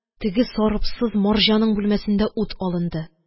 Теге сарыпсыз марҗаның бүлмәсендә ут алынды.